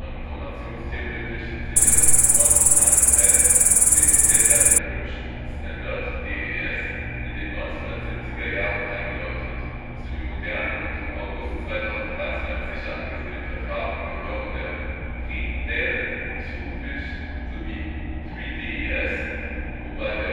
informationstheoretisch sicheren One-Time-Pad (OTP) und dem Data Encryption Standard (DES) in den 1970er Jahren eingeläutet. Zu den modernen und im August 2013 als sicher angesehenen Verfahren gehören der Rijndael, Twofish sowie 3DES, wobei dem Rijndael